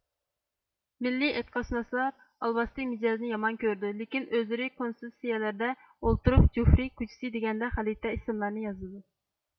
مىللىي ئىتىقادشۇناسلار ئالۋاستى مىجەزنى يامان كۆرىدۇ لېكىن ئۆزلىرى كونسېسسىيىلەردە ئولتۇرۇپ جوفرى كوچىسى دېگەندەك غەلىتە ئىسىملارنى يازىدۇ